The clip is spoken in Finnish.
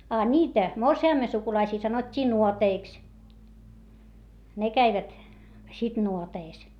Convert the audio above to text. a niitä morsiamen sukulaisia sanottiin nuoteiksi ne kävivät sitten nuoteissa